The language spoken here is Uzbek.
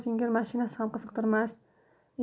zinger mashinasi ham qiziqtirmas